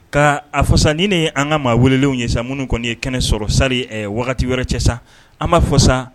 Nka a fɔsa ni an ka maa wele yesan minnu kɔni ye kɛnɛ sɔrɔ sari wagati wɛrɛ cɛ sa an maa fɔ sa